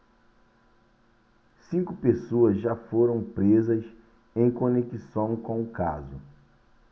cinco pessoas já foram presas em conexão com o caso